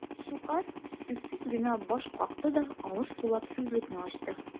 Щукарь сүзсез генә баш какты да, авыр сулап сүзлекне ачты.